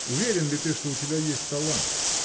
– Уверен ли ты, что у тебя есть талант?